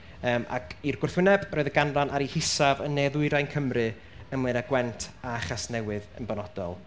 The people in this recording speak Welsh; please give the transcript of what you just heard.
Yym ac i'r gwrthwyneb, roedd y ganran ar ei hisaf yn Ne Ddwyrain Cymru ym Mlaenau Gwent a Chasnewydd yn benodol.